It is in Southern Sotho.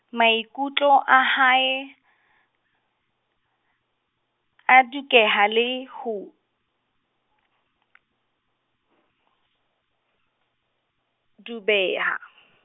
maikutlo a hae, a dukeha le, ho , dubeha.